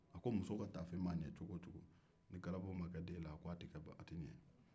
a ko muso ka taafe mana ɲɛ cogo o cogo ni galabu ma kɛ den na a ko a tɛ ɲa